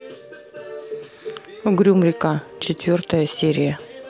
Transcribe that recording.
угрюм река четвертая серия